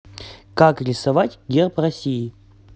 как рисовать герб россии